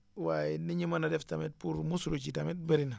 waaye ni ñu mën a def tamit pour muslu ci tamit bëri na